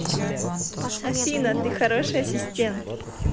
афина ты хороший ассистент